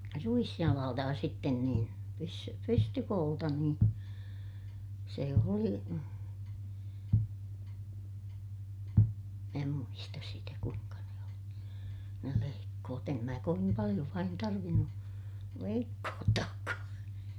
ruisjalalta ja sitten niin - pystykoolta niin se oli minä muista sitä kuinka ne oli ne leikkuut en minä kovin paljon vain tarvinnut leikkuuttaakaan